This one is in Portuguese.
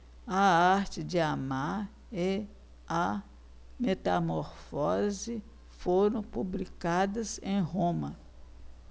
a arte de amar e a metamorfose foram publicadas em roma